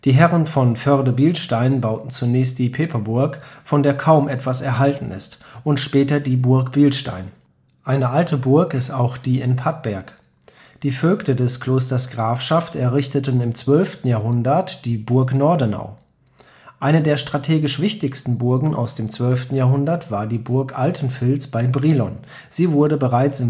Herren von Förde-Bilstein bauten zunächst die Peperburg, von der kaum etwas erhalten ist, und später die Burg Bilstein. Eine alte Burg ist auch die in Padberg. Die Vögte des Klosters Grafschaft errichteten im 12. Jahrhundert die Burg Nordenau. Eine der strategisch wichtigsten Burgen aus dem 12. Jahrhundert war die Burg Altenfils bei Brilon; sie wurde bereits